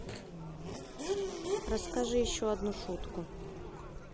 расскажи еще одну шутку